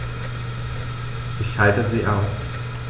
Ich schalte sie aus.